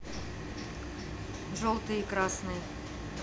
желтый и красный